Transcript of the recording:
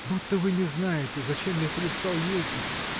будто вы не знаете, зачем я перестал ездить?